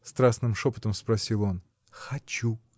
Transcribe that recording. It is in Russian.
— страстным шепотом спросил он. — Хочу!